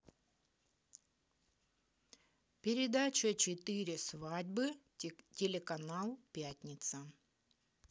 передача четыре свадьбы телеканал пятница